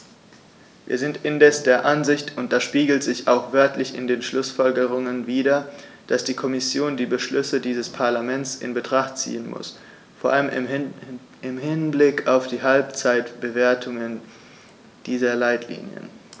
Wir sind indes der Ansicht und das spiegelt sich auch wörtlich in den Schlussfolgerungen wider, dass die Kommission die Beschlüsse dieses Parlaments in Betracht ziehen muss, vor allem im Hinblick auf die Halbzeitbewertung dieser Leitlinien.